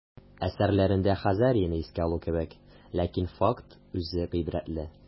Әсәрләрендә Хазарияне искә алу кебек, ләкин факт үзе гыйбрәтле.